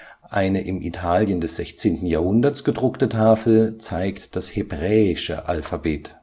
Eine im Italien des 16. Jahrhunderts gedruckte Tafel zeigt das hebräische Alphabet